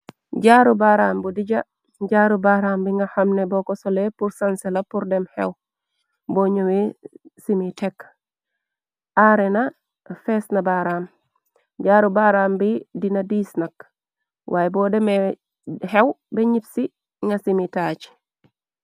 Jaaru baaraam bu dija, jaaru baaraam bi nga xamne boko sole pur sanseh la pur dem xew, bor njoweh simi tekk, aar rena, fess na baaraam, jaaru baaraam bi dina diiss nak, waaye bor demeh xew beh njibsi nga simi taajj.